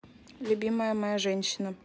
любимая моя женщина